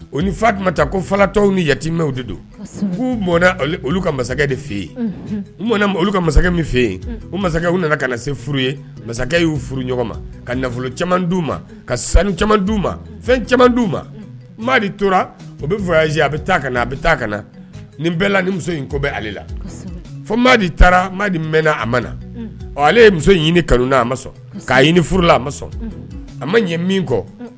O ni fa tun ta ko falatɔw ni yatimɛw de don'u mɔn olu ka masakɛ de fɛ yen mɔn ka masakɛ min fɛ yen masakɛw nana ka se furu ye masakɛ y'u furu ɲɔgɔn ma ka nafolo caman di'u ma ka sanu caman di'u ma fɛn caman di'u ma tora o bɛ f a bɛ taa ka a bɛ taa ka na ni bɛɛ la ni muso in kɔ bɛ ale la fɔ ma taara ma bɛna a ma na ɔ ale ye muso ɲini kanu a ma sɔn k'a ɲini furu a ma sɔn a ma ɲɛ min kɔ